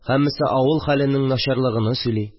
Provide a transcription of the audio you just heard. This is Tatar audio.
Һәммәсе авыл хәленең начарлыгыны сөйли